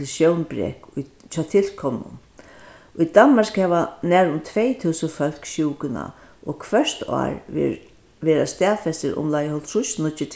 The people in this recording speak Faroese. til sjónbrek í hjá tilkomnum í danmark hava nærum tvey túsund fólk sjúkuna og hvørt ár verður verða staðfestir umleið hálvtrýss nýggir